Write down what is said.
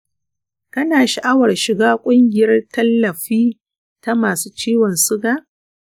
kana sha’awar shiga ƙungiyar tallafi ta masu ciwon suga?